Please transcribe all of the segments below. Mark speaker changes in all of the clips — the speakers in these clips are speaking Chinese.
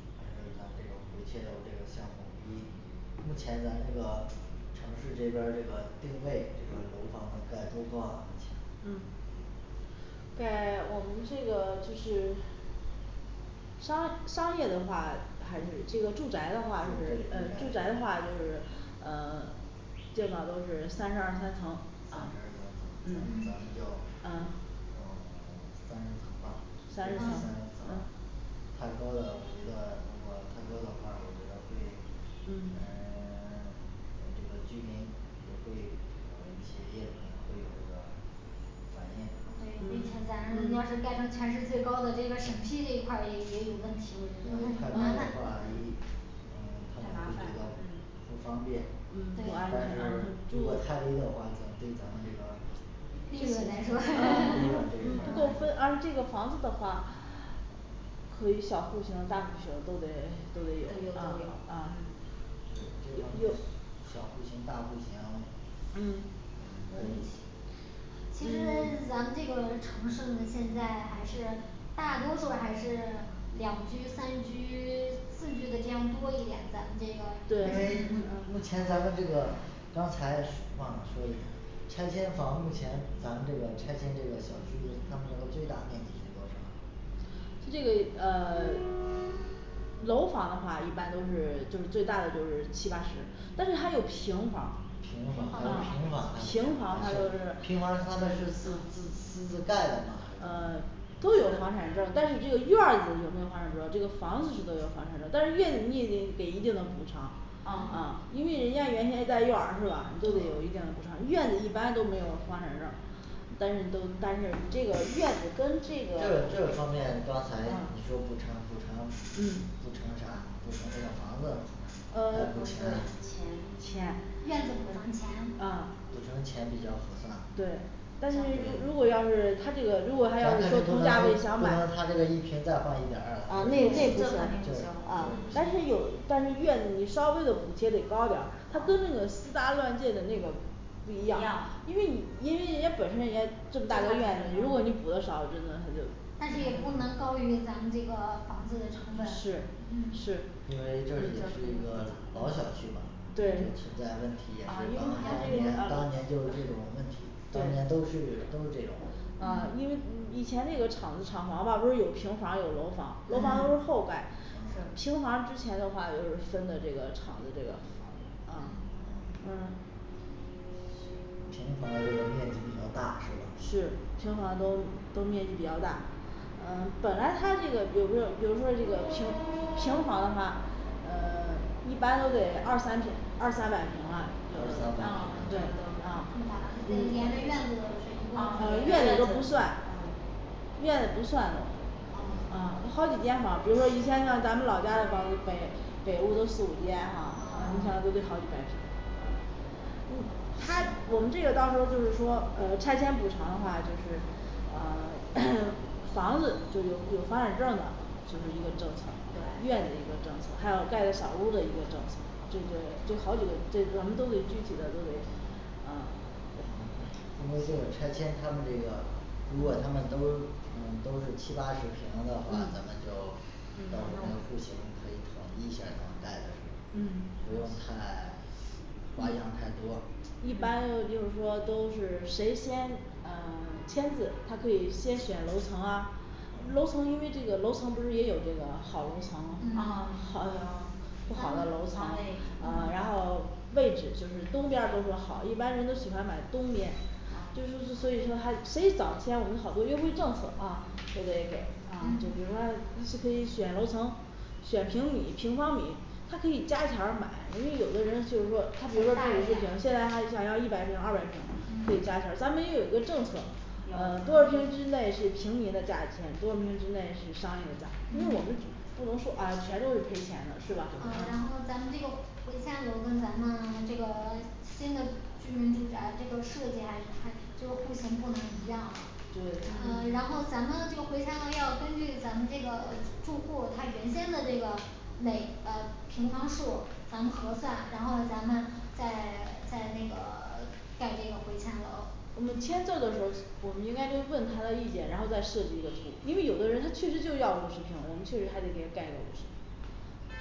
Speaker 1: 还有咱这种不窃漏这种项目一，目前咱这个城市这边儿这个定位这个楼房能盖多高啊目前
Speaker 2: 嗯，盖我们这个就是商商业的话还是这个住宅的话，是嗯
Speaker 1: 对
Speaker 2: 住，
Speaker 1: 住
Speaker 2: 宅
Speaker 1: 宅
Speaker 2: 的话，就是呃 最好都是三十二三层
Speaker 1: 三十二三层，咱们
Speaker 3: 嗯
Speaker 2: 嗯
Speaker 1: 就总
Speaker 2: 啊
Speaker 1: 共三十层吧
Speaker 2: 行行行嗯
Speaker 1: 太高了我觉得如果太多的话，我觉得会嗯
Speaker 2: 嗯
Speaker 1: 咱这个居民也会呃一些业主可能会有这个反映
Speaker 3: 对，毕竟咱要是盖成全市最高的这个审批这一块儿也也有问题，我觉得很
Speaker 2: 嗯
Speaker 4: 很
Speaker 3: 麻
Speaker 4: 麻烦
Speaker 3: 烦
Speaker 4: 嗯
Speaker 1: 不方便
Speaker 2: 嗯，不安
Speaker 3: 对
Speaker 1: 但是
Speaker 2: 全，
Speaker 1: 如果太低的话可能对咱们这个
Speaker 3: 利润来说
Speaker 2: 啊啊 嗯不够分而且这个房子的话可以小户型儿大户型儿都得
Speaker 4: 对，
Speaker 2: 都
Speaker 4: 都
Speaker 2: 得
Speaker 4: 得有
Speaker 2: 有，啊，，啊，
Speaker 1: 对
Speaker 2: 有
Speaker 1: 这
Speaker 2: 有
Speaker 1: 层小户型儿大户型儿呃
Speaker 4: 嗯
Speaker 1: 可以一起
Speaker 3: 其实咱们这个城市现在还是大多数儿还是两居三居 四居的这样多一点，咱们这
Speaker 2: 对
Speaker 3: 个
Speaker 1: 对目
Speaker 2: 啊
Speaker 1: 目前咱们这个刚才是忘了说一下儿拆迁房目前咱这个拆迁这个小区，它们的最大面积是多少
Speaker 2: 他这个呃 楼房的话一般都是就是最大的就是七八十，但是还有平房
Speaker 1: 平房，平
Speaker 2: 儿啊平
Speaker 1: 房平
Speaker 2: 房
Speaker 1: 房
Speaker 2: 它
Speaker 1: 他
Speaker 2: 就是
Speaker 1: 们是私私私自盖的吗
Speaker 2: 呃都有房产证儿，但是这个院子有没有房产证不知道，这个房子是都有房产证儿，但院子你也得给一定的补偿，
Speaker 4: 啊
Speaker 2: 啊因为人家原先带院儿是吧你都得有一定的补偿，院子一般都没有房产证儿但是都但是这个院子跟这个
Speaker 1: 这个这个方面，刚才你说
Speaker 2: 啊
Speaker 1: 补偿补偿补偿
Speaker 2: 嗯
Speaker 1: 啥补偿这个房子
Speaker 2: 呃，
Speaker 3: 啊不是提钱
Speaker 2: 钱，
Speaker 3: 院子补偿钱
Speaker 2: 啊
Speaker 1: 补偿钱比较合算
Speaker 2: 对但是如如果要是他这个如果他
Speaker 1: 如
Speaker 2: 要是说同价位想买
Speaker 1: 果他这个一平再算一点儿
Speaker 3: 那肯定不
Speaker 1: 二的话
Speaker 2: 啊那那不算啊
Speaker 3: 行
Speaker 2: 但是有但是院子你稍微的补贴得高点儿，它跟那个私搭乱建的那个不
Speaker 4: 不
Speaker 2: 一
Speaker 4: 一
Speaker 2: 样
Speaker 4: 样，
Speaker 2: 因为你因为人家本身人家这么大个院子，如果你补的少真的他就
Speaker 3: 但是也不能高于咱们这个房子的成本
Speaker 2: 是。
Speaker 3: 嗯
Speaker 2: 是
Speaker 1: 因为这也是
Speaker 2: 嗯
Speaker 1: 一个老小区嘛
Speaker 2: 对
Speaker 1: 存
Speaker 2: 啊
Speaker 1: 在问题
Speaker 2: 啊因为他这
Speaker 1: 当年
Speaker 2: 个
Speaker 1: 都是
Speaker 2: 啊
Speaker 1: 这种问题当年都是都是这种问
Speaker 2: 对，啊
Speaker 4: 嗯，
Speaker 2: 因
Speaker 1: 题
Speaker 2: 为嗯以前那个厂子厂房吧都有平房，有楼房楼
Speaker 4: 对
Speaker 2: 房都是后盖平房之前的话也都是分的这个厂子这个啊
Speaker 3: 嗯
Speaker 4: 是
Speaker 1: 嗯
Speaker 2: 嗯
Speaker 1: 平房的这个面积比较大，是吗
Speaker 2: 是，平房都都面积比较大，呃本来他这个比如说比如说这个平平房的话，呃 一般都得二三平二三百平啊，有的都对，啊
Speaker 3: 啊，嗯连着院子
Speaker 2: 院子都
Speaker 3: 平均啊
Speaker 2: 不算，院子不算都啊好几间房，比如说以前像咱们老家的话，就北北屋都四五间哈，啊你
Speaker 3: 啊
Speaker 2: 想都得好几百平嗯他，我们这个到时候儿就是说呃拆迁补偿的话，就是呃 房子就是有有房产证儿的就是一个政策，院子一个政策，还有盖的小屋的一个政策，这就是这好几个这我们都得具体的都得啊
Speaker 1: 回头儿就是拆迁他们这个如果他们都嗯都是七八十平的话，咱
Speaker 2: 嗯
Speaker 1: 们就到时候
Speaker 2: 嗯
Speaker 1: 儿不行可以统一一下儿他们盖
Speaker 2: 嗯
Speaker 1: 的不用太 罚他们太
Speaker 2: 嗯
Speaker 1: 多
Speaker 2: 嗯一般的就是说都是谁先呃 签字，他可以先选楼层啊楼层，因为这个楼层不是也有这个好楼层好
Speaker 3: 嗯
Speaker 2: 不好的楼层
Speaker 3: 对，
Speaker 2: 啊，然后位置就是东边儿都说好，一般人都喜欢买东边就是说所以说他谁早签我们好多优惠政策啊都得给，啊就比如
Speaker 3: 嗯
Speaker 4: 啊
Speaker 2: 说他可以选楼层，选平米平方米他可以加钱儿买，因为有的人就是说他比如说他
Speaker 3: 大
Speaker 2: 有一些
Speaker 3: 一
Speaker 2: 平
Speaker 3: 点，
Speaker 2: 现在
Speaker 3: 儿
Speaker 2: 他想要一百平二百平，可以加
Speaker 3: 嗯
Speaker 2: 钱儿咱们又有一个政策，
Speaker 4: 呃多少平米之内是平民的价钱，多少平之内是商业的价儿
Speaker 2: 因为我们这 不能说啊全都是赔钱的是吧嗯
Speaker 3: 嗯然
Speaker 4: 嗯
Speaker 3: 后咱们这个回迁楼跟咱们 这个新的居民住宅这个设计还还就是户型不一样
Speaker 2: 对
Speaker 3: 呃然后咱们这个回迁楼要根据咱们这个呃住户他原先的这个每呃平方数儿咱们核算，然后咱们再 再那个盖这个回迁楼儿
Speaker 2: 我们签字儿的时候儿，我们应该就问他的意见，然后再设计一个图，因为有的人他确实就要五十平，我们确实还得给他盖个五十平呃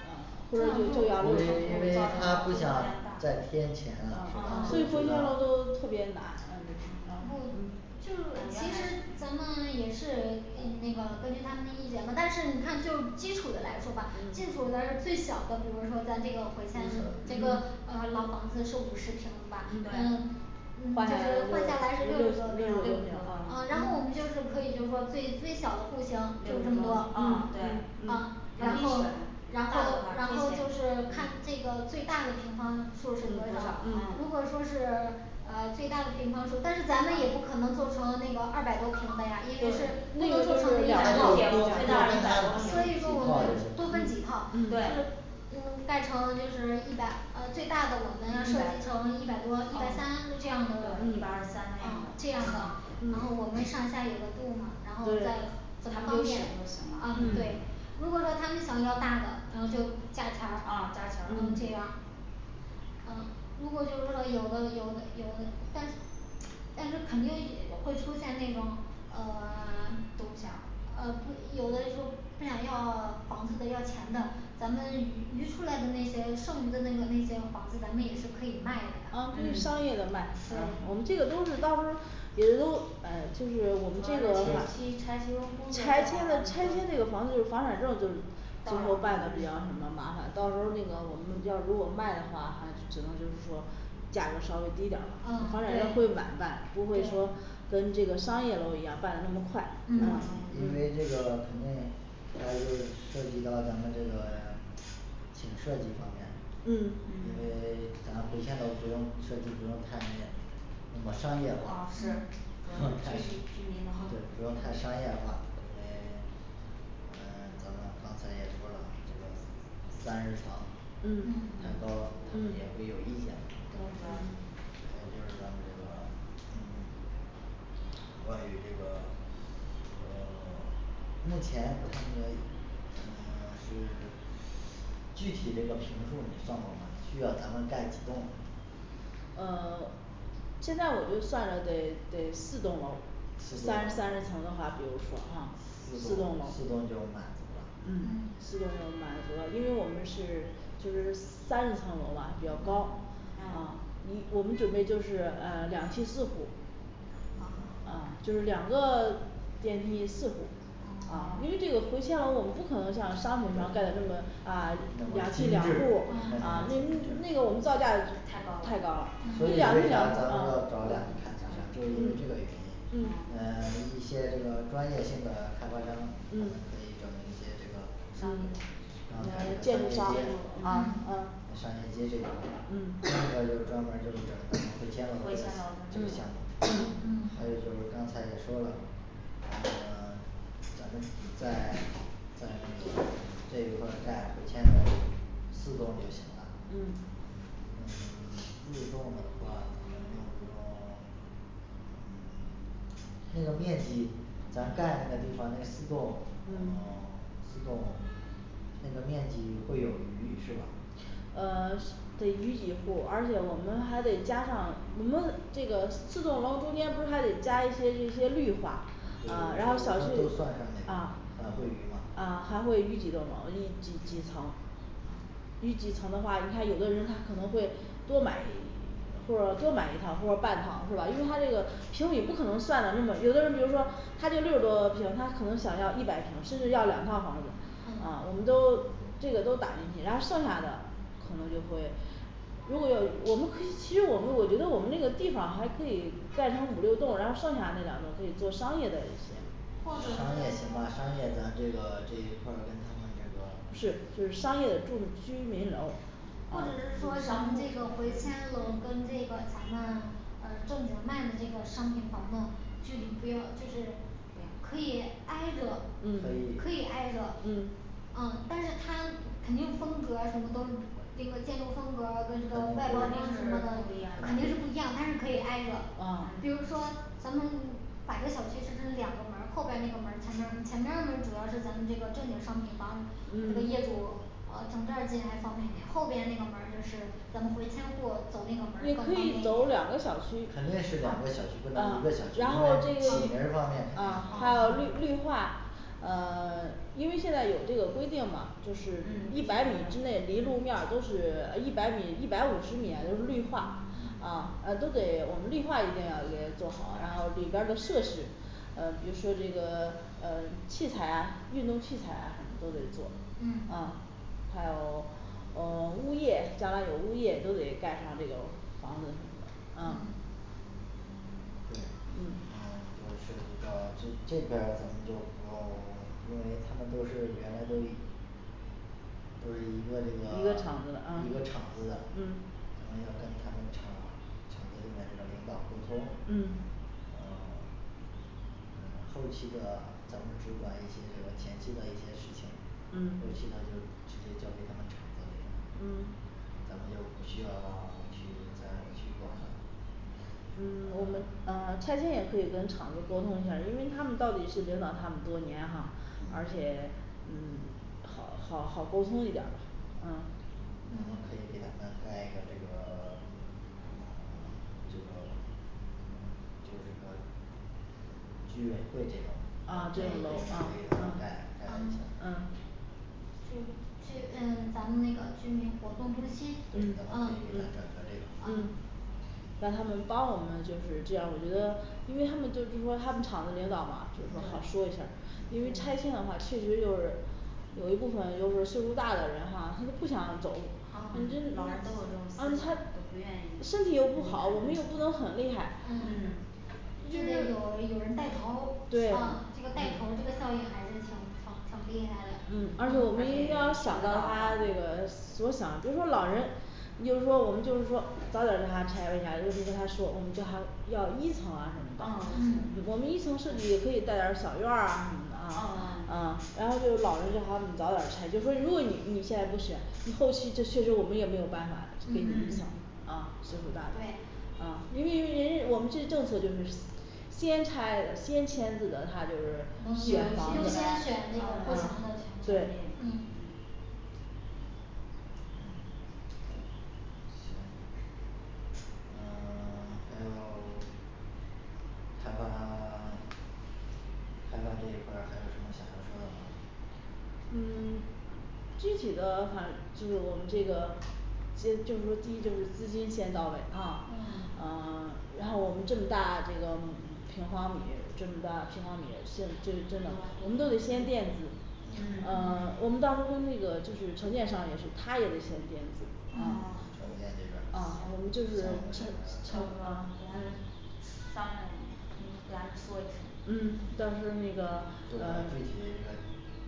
Speaker 2: 或者就就要六十平
Speaker 1: 因为因为他
Speaker 3: 不
Speaker 1: 不
Speaker 3: 想
Speaker 1: 想
Speaker 3: 再
Speaker 1: 再
Speaker 3: 添
Speaker 1: 添钱
Speaker 3: 钱了吧，嗯
Speaker 1: 了
Speaker 2: 啊所以说要的都特别难，嗯有时候儿啊
Speaker 3: 不
Speaker 2: 嗯，
Speaker 3: 就是，其实咱们也是嗯那个根据他们的意见吧，但是你看就基础的来说吧，基
Speaker 2: 嗯
Speaker 3: 础反正最小的，比如说咱这个回迁楼这个
Speaker 4: 嗯
Speaker 3: 那个老房子是五十平吧
Speaker 2: 嗯
Speaker 4: 嗯
Speaker 3: 嗯就
Speaker 2: 换下
Speaker 3: 是换下来
Speaker 2: 来就
Speaker 3: 是
Speaker 2: 就六就
Speaker 3: 六十多
Speaker 2: 六十多
Speaker 3: 平
Speaker 2: 平，啊
Speaker 3: 呃然后我们就是可以就是说最最小的户型就是这么多
Speaker 2: 嗯
Speaker 3: 啊
Speaker 4: 啊
Speaker 2: 嗯
Speaker 4: 对
Speaker 2: 嗯
Speaker 3: 然后用的然
Speaker 4: 最
Speaker 3: 后
Speaker 4: 大的
Speaker 3: 然
Speaker 4: 话，
Speaker 3: 后就是看这个最大的平方数儿是多少，如果
Speaker 4: 嗯
Speaker 2: 嗯
Speaker 3: 说是呃最大的平方数儿，但是咱们也不可能做成那个二百多平的呀，因为是
Speaker 4: 对
Speaker 2: 那个就是两，嗯嗯
Speaker 4: 两套都
Speaker 3: 所
Speaker 4: 要
Speaker 3: 以说
Speaker 1: 一
Speaker 3: 我
Speaker 1: 套
Speaker 3: 们多分几套
Speaker 1: 就行了
Speaker 3: 这个
Speaker 4: 对
Speaker 3: 嗯盖成就是一百呃最大的，我们要设计成一百多一百三就
Speaker 4: 一
Speaker 3: 这
Speaker 4: 百
Speaker 3: 样的，
Speaker 4: 嗯，一百二三那
Speaker 3: 嗯这样
Speaker 4: 种
Speaker 3: 的然后我们上下有个度吗，然后再怎么方便
Speaker 4: 嗯。对
Speaker 3: 嗯对，如果说他们想要大的，然后就加钱儿然后
Speaker 2: 啊加钱
Speaker 3: 这
Speaker 2: 儿
Speaker 3: 样儿嗯如果就是说有的有的有的，但但是肯定也有会出现那种呃
Speaker 4: 独享
Speaker 3: 呃不有的人说不想要房子的要钱的咱们余余出来的那些剩余的那个那些房子咱们也是可以卖的
Speaker 2: 嗯，对商业的卖，我们
Speaker 3: 对
Speaker 2: 这个都是到时候儿有的时候儿哎就是，我们这个
Speaker 4: 我
Speaker 2: 的
Speaker 4: 们
Speaker 2: 话
Speaker 4: 定期拆迁工作
Speaker 2: 拆
Speaker 4: 的话
Speaker 2: 迁的
Speaker 4: 就是
Speaker 2: 拆迁这个房子就是房产证儿就是最后办的比较什么麻烦，到时候儿那个我们要如果卖的话，反正只只能就是说价格稍微低点儿吧，房
Speaker 3: 嗯
Speaker 2: 产证
Speaker 3: 啊
Speaker 2: 会晚
Speaker 3: 对
Speaker 2: 办，不会说
Speaker 3: 对
Speaker 2: 跟这个商业楼一样办的那么快
Speaker 3: 嗯
Speaker 1: 因为这个肯定大家就是涉及到咱们这个请设计方面，因
Speaker 4: 嗯
Speaker 1: 为咱回迁楼不用设计不用太那那么商业
Speaker 4: 嗯
Speaker 1: 化，，
Speaker 4: 是
Speaker 1: 不用太
Speaker 3: 啊这是居民
Speaker 1: 对不
Speaker 3: 楼
Speaker 1: 用太商业化，因为嗯咱们刚才也说了，这个商业房
Speaker 2: 嗯
Speaker 3: 嗯
Speaker 1: 太高也会
Speaker 2: 嗯
Speaker 1: 有意见的，还
Speaker 3: 对
Speaker 1: 有就是咱这个嗯关于这个这个 目前他们的嗯 是具体这个平数儿你算过吗需要咱们盖几栋
Speaker 2: 呃 现在我就算着得得四栋楼，
Speaker 1: 四栋
Speaker 2: 三三十层
Speaker 1: 楼
Speaker 2: 的话，比如说哈四
Speaker 1: 四栋
Speaker 2: 栋
Speaker 1: 四栋楼
Speaker 2: 楼
Speaker 1: 就能满
Speaker 2: 嗯，
Speaker 1: 足了
Speaker 2: 四
Speaker 3: 嗯
Speaker 2: 栋楼就满足了因为我们是就是三十层楼吧比较高，啊
Speaker 3: 嗯
Speaker 4: 嗯
Speaker 2: 一我们准备就是呃两梯四户儿，
Speaker 4: 啊
Speaker 2: 啊，就是两个电梯四户儿
Speaker 4: 啊
Speaker 2: 啊，因为这个回迁楼我们不可能像商品房盖的那么啊
Speaker 1: 那
Speaker 2: 两
Speaker 1: 么
Speaker 2: 梯
Speaker 1: 精
Speaker 2: 两户
Speaker 1: 致
Speaker 2: 儿，啊那那个我们造价太
Speaker 3: 太
Speaker 2: 高
Speaker 3: 高
Speaker 2: 了
Speaker 3: 了
Speaker 2: 就
Speaker 3: 嗯
Speaker 2: 两梯两户儿
Speaker 1: 咱们这个
Speaker 2: 啊，
Speaker 1: 就是因为这个原因
Speaker 2: 嗯。
Speaker 4: 嗯
Speaker 1: 呃一些这个专业性的开发商，得
Speaker 2: 嗯
Speaker 1: 整一些这个
Speaker 2: 嗯啊
Speaker 4: 建筑
Speaker 1: 刚才这个商业街
Speaker 4: 商不多
Speaker 2: 呃
Speaker 1: 商业街这块另一
Speaker 2: 嗯
Speaker 1: 个就专门儿就是
Speaker 3: 嗯
Speaker 1: 回
Speaker 3: 回
Speaker 1: 迁
Speaker 3: 迁
Speaker 1: 楼
Speaker 3: 楼儿
Speaker 1: 这个项目
Speaker 2: 嗯，
Speaker 1: 还
Speaker 4: 嗯
Speaker 1: 有就是刚才也说了，咱们咱们只盖盖那个呃这一块儿盖回迁楼嗯四栋就行
Speaker 2: 嗯
Speaker 1: 了嗯， 四栋的话咱们一共用嗯 这个面积咱盖那个地方那四栋，嗯
Speaker 2: 嗯，
Speaker 1: 四栋，那个面积会有余是吧？
Speaker 2: 呃是， 得余几户儿，而且我们还得加上我们这个四栋楼中间不是还得加一些这些绿化
Speaker 1: 呃都都算上
Speaker 2: 啊
Speaker 1: 面呃
Speaker 2: 啊
Speaker 1: 会余
Speaker 2: 还会余几栋
Speaker 1: 吗
Speaker 2: 楼余几几层，余几层的话，你看有的人他可能会多买一或者多买一套或者半套是吧？因为他这个平米不可能算的那么有的人比如说他就六十多的平，他可能想要一百平，甚至要两套房子，
Speaker 3: 嗯
Speaker 2: 呃我们都这个都打进去，然后剩下的可能就会如果有我们可以，其实我们我觉得我们那个地方还可以盖成五六栋，然后剩下那两栋可以做商业的一些
Speaker 3: 或
Speaker 1: 商业型的
Speaker 3: 者
Speaker 1: 商业咱这个这一块儿跟他们这个
Speaker 2: 不是就是商业的住居民楼
Speaker 3: 是这或者是说咱们这个回迁楼跟那个咱们呃正经卖的那个商品房呢，距离不要就是可
Speaker 4: 对
Speaker 3: 以挨着
Speaker 2: 嗯，
Speaker 3: 可
Speaker 1: 可
Speaker 3: 以
Speaker 1: 以
Speaker 3: 挨着
Speaker 2: 嗯
Speaker 3: 啊但是他肯定风格儿啊什么都那个建筑风格儿跟这个外包装什么的肯
Speaker 4: 肯
Speaker 3: 定是
Speaker 4: 定
Speaker 3: 不
Speaker 4: 不
Speaker 3: 一
Speaker 4: 一样
Speaker 3: 样，但
Speaker 4: 的
Speaker 3: 是可以挨着，比
Speaker 2: 啊
Speaker 3: 如说咱们把这小区制成两个门儿，后边儿那个门儿前面前面门儿主要是咱们这个重点商品房，那业
Speaker 2: 嗯
Speaker 3: 主呃从这儿进还方便点，后边那个门儿就是咱们回迁户儿走那个门
Speaker 2: 你可以
Speaker 3: 儿
Speaker 2: 走
Speaker 3: 走那个
Speaker 2: 两个小区
Speaker 1: 肯定是两个小区，不能是
Speaker 2: 嗯
Speaker 1: 一个小，区，
Speaker 2: 然后这个一
Speaker 1: 因为人儿方面
Speaker 2: 嗯，还有绿绿化呃 因为现在有这个规定嘛，就是一
Speaker 3: 嗯
Speaker 2: 百米之内离路面儿都是 呃一百米一百五十米，就是绿化啊呃都得我们绿化一定要给它做好，然后里边儿的设施比如说这个呃器材啊运动器材啊什么都得做。啊
Speaker 3: 嗯
Speaker 2: 还有呃物业将来有物业都得盖上这个房子什么的。啊
Speaker 3: 嗯
Speaker 1: 嗯 对，嗯
Speaker 2: 嗯
Speaker 1: 这涉及到这这边儿可能就不用， 因为他们都是原来都一 都是一个
Speaker 2: 一
Speaker 1: 这
Speaker 2: 个
Speaker 1: 个
Speaker 2: 厂子的嗯
Speaker 1: 一个厂子的
Speaker 2: 嗯
Speaker 1: 咱们就是跟他们厂厂子里边儿的领导沟通
Speaker 2: 嗯
Speaker 1: 然后嗯后期的咱们只管一些这个前期的一些事情，后期
Speaker 2: 嗯
Speaker 1: 呢就直接交给他们厂子处理
Speaker 2: 嗯，
Speaker 1: 咱们就不需要去跟咱这去观察
Speaker 2: 嗯我们啊拆迁也可以跟厂子沟通一下儿，因为他们到底是领导他们多年哈，而
Speaker 1: 嗯
Speaker 2: 且嗯好好好沟通一点儿嗯
Speaker 1: 然后
Speaker 3: 嗯
Speaker 1: 可以给他们盖一个这个这个嗯就是专居委会，这这可以给他盖盖一层
Speaker 2: 啊这个楼啊
Speaker 1: 盖盖一
Speaker 3: 对
Speaker 2: 嗯
Speaker 1: 层
Speaker 3: 就嗯咱们那个居民活动中心
Speaker 1: 咱们可以给他整
Speaker 2: 嗯
Speaker 3: 啊
Speaker 1: 成这个
Speaker 3: 啊
Speaker 2: 让他们帮我们就是这样，我觉得因为他们就是说他们厂的领导嘛就说好说一下儿因为拆迁的话确实就是有一部分就是岁数儿大的人哈，他们不想走路
Speaker 4: 啊，
Speaker 2: 嗯就嗯
Speaker 4: 老人都是那
Speaker 2: 啊他
Speaker 4: 样不愿意
Speaker 2: 身体又不好，我们又不能很厉害
Speaker 3: 嗯
Speaker 4: 嗯
Speaker 2: 那就
Speaker 3: 就得有
Speaker 2: 是
Speaker 3: 有人带头
Speaker 2: 对
Speaker 3: 儿，啊，这个带头儿这个效应还是挺挺挺厉害
Speaker 2: 嗯而且我
Speaker 3: 的
Speaker 2: 们一定要想到他这个所想，比如说老人，你就是说我们就是说早点让他拆为啥就给他说我们就他要一层啊什么
Speaker 3: 嗯
Speaker 4: 啊
Speaker 2: 的，我们一层设计也可以带点儿小院儿啊什么的啊，
Speaker 4: 啊
Speaker 2: 啊然后就老人叫他们早点儿拆，就说如果你你现在不选你后期就确实我们也没有办法就给你一层
Speaker 3: 嗯
Speaker 2: 啊岁数儿大
Speaker 3: 对
Speaker 2: 的啊。 因为因为人我们这政策就是谁 先拆的先签字的，他就
Speaker 3: 优
Speaker 2: 是
Speaker 3: 先
Speaker 2: 选房子
Speaker 3: 选那个
Speaker 2: 啊
Speaker 3: 楼层的那个，东
Speaker 2: 对
Speaker 3: 西
Speaker 1: 嗯 还有，开发 开发这一块儿还有什么想要说的吗？
Speaker 2: 嗯嗯具体的反正就是我们这个就就是说第一资金先到位啊
Speaker 3: 嗯，
Speaker 2: 啊然后我们这么大这个呃，平方米，这么大平方米，现在 真真的我们都得先垫资，呃
Speaker 3: 嗯
Speaker 2: 我们到时候儿会那个就是承建商也是他也得先垫资啊
Speaker 3: 嗯
Speaker 1: 这边儿，项
Speaker 2: 啊，我
Speaker 1: 目
Speaker 2: 们就
Speaker 1: 这
Speaker 2: 是
Speaker 1: 边
Speaker 2: 嗯啊
Speaker 1: 儿
Speaker 4: 商量一下儿，给他们
Speaker 2: 对
Speaker 4: 说一声
Speaker 2: 嗯，到时候儿那个
Speaker 1: 最后具体
Speaker 2: 呃
Speaker 1: 的那个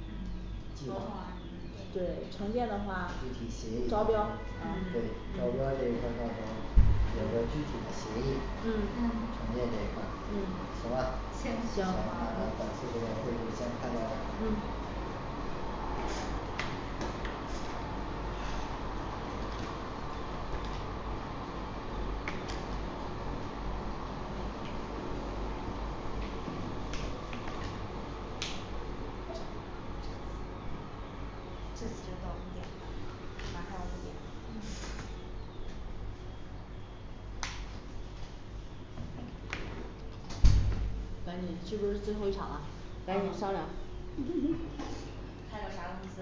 Speaker 1: 嗯计
Speaker 4: 策
Speaker 1: 划，
Speaker 4: 划啊
Speaker 2: 对承建的话
Speaker 1: 具体协议，，对招
Speaker 2: 招
Speaker 1: 标
Speaker 2: 标啊
Speaker 1: 这一块儿的话正好就说具体的协议
Speaker 2: 嗯
Speaker 3: 嗯
Speaker 1: 承接这一块
Speaker 2: 嗯，
Speaker 1: 行吧行那
Speaker 2: 行
Speaker 1: 咱
Speaker 4: 好
Speaker 1: 们本次这个会就开到这儿